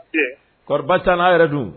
Kɔrɔtan n'a yɛrɛ don